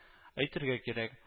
Әйтергә кирәк